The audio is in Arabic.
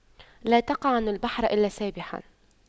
لا تقعن البحر إلا سابحا